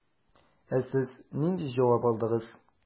Ә сез нинди җавап алдыгыз?